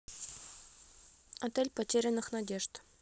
отель потерянных надежд